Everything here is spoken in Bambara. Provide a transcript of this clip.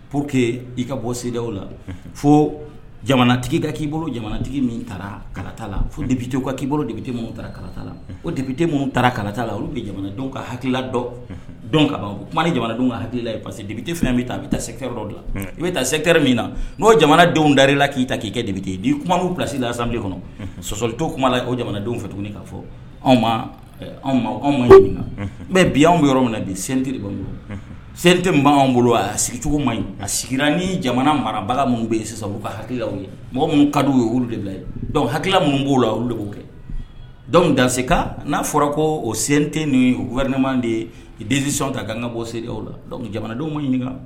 Po que i ka bɔ seerew la fo jamanatigi ka'i bolo jamanatigi min taara kalata la fo debite ka'i bolo debite minnu ta kalatala o debite minnu taara kalala olu bɛ jamanadenw ka hakilikila dɔn dɔn ka ban kuma ni jamanadenw ka hakilila paseke debite f bɛ ta a bɛ taa sɛ yɔrɔ la i bɛ taa sɛkɛ min na n'o jamanadenw da i la k'i ta k'i kɛ de bɛte yen di kuma min bilasila lasa de kɔnɔ sɔsɔli to kuma o jamanadenw fɛ tuguni ka fɔ anw ma anw anw ma ɲini n bɛ bi anw yɔrɔ min na di sentiri de ba bolo sen tɛ ban anwan bolo a y'a sigicogo ma ɲi a sigira ni jamana marabaga minnu bɛ yen sisan ka hakililaw ye mɔgɔ minnu kadi u ye olu de bila dɔnku hakilila minnu b'o la olu kɛ dɔnku danseka n'a fɔra ko o sen tɛ ninnu wɛrɛma de ye ka densɔn ta ka kan ka bɔere o la jamanadenw bɛ ɲini ɲininka